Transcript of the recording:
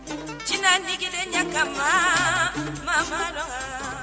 J ni kelen ɲɛ ka malɔ